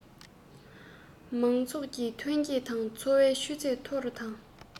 དཔལ འབྱོར དང སྤྱི ཚོགས འཕེལ རྒྱས མགྱོགས སུ བཏང ནས